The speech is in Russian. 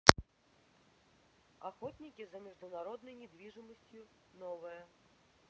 охотники за международной недвижимостью новое